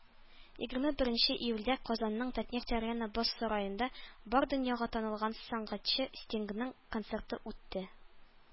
Егерме беренче июльдә Казанның "Татнефть-Арена" боз сараенда бар дөньяга танылган сәнгатьче Стингның концерты үтте.